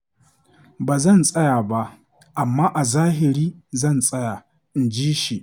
Ba zan tsaya ba, amma a zahiri zan tsaya,” inji shi.